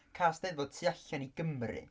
Cael 'Steddfod tu allan i Gymru.